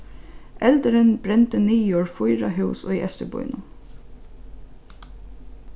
eldurin brendi niður fýra hús í eysturbýnum